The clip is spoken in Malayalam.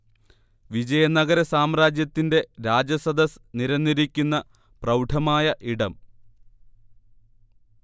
വിജയ നഗര സാമ്രാജ്യത്തിന്റെ രാജസദസ്സ് നിരന്നിരിക്കുന്ന പ്രൗഢമായ ഇടം